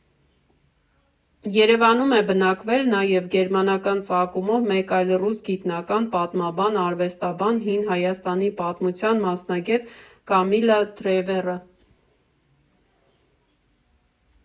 Երևանում է բնակվել նաև գերմանական ծագումով մեկ այլ ռուս գիտնական՝ պատմաբան, արվեստաբան, հին Հայաստանի պատմության մասնագետ Կամիլլա Տրևերը։